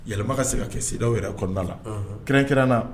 Yɛlɛma ka se ka kɛ sedaw yɛrɛ kɔnɔna na kɛrɛnkɛ na